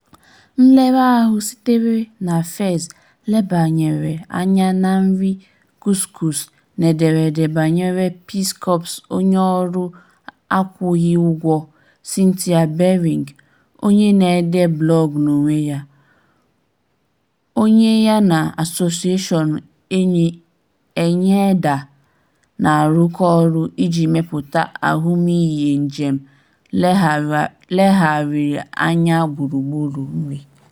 Nlere ahụ sitere na Fez lebanyere anya na nri couscous n'ederede banyere Peace Corps onyeọrụ akwụghị ụgwọ Cynthia Berning (onye na-ede blọọgụ n'onwe ya), onye ya na Association ENNAHDA na-arụkọ ọrụ iji mepụta ahụmihe njem nlegharịanya gburugburu nri.